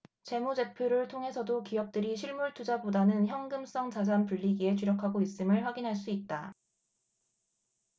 재무제표를 통해서도 기업들이 실물투자보다는 현금성 자산 불리기에 주력하고 있음을 확인할 수 있다